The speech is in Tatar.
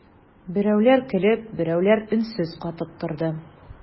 Берәүләр көлеп, берәүләр өнсез катып торды.